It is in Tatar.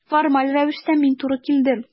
Формаль рәвештә мин туры килдем.